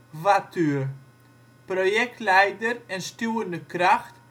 Voiture. Projectleider en stuwende kracht